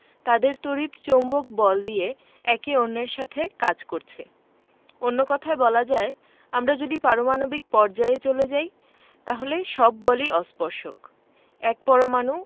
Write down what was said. তাদের তড়িৎ চৌম্বক বল দিয়ে একে অন্যের সাথে কাজ করছে অন্য কথায় বলা যায় আমরা যদি পারমাণবিক পর্যায়ে চলে যাই তাহলে সব বলই অস্পর্শক এক পরমাণু